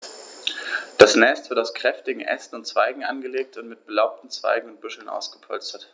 Das Nest wird aus kräftigen Ästen und Zweigen angelegt und mit belaubten Zweigen und Büscheln ausgepolstert.